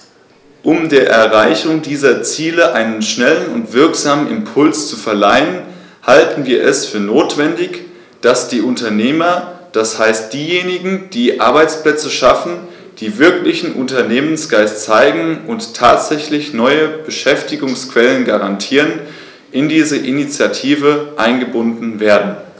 Um der Erreichung dieser Ziele einen schnellen und wirksamen Impuls zu verleihen, halten wir es für notwendig, dass die Unternehmer, das heißt diejenigen, die Arbeitsplätze schaffen, die wirklichen Unternehmergeist zeigen und tatsächlich neue Beschäftigungsquellen garantieren, in diese Initiative eingebunden werden.